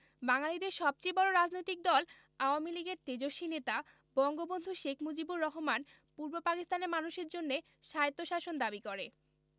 বাঙালিদের সবচেয়ে বড়ো রাজনৈতিক দল আওয়ামী লীগের তেজস্বী নেতা বঙ্গবন্ধু শেখ মুজিবর রহমান পূর্ব পাকিস্তানের মানুষের জন্যে স্বায়ত্ব শাসন দাবি করে